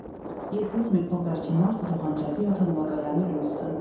«Սիեթլից մեկնող վերջին մարդը թող անջատի օդանավակայանի լույսը»։